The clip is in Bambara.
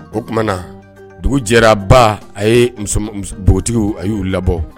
O tumaumana na dugu jɛraba a ye npogotigiw a y'u labɔ